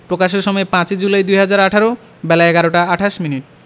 প্রকাশের সময় ৫ জুলাই ২০১৮ বেলা১১টা ২৮ মিনিট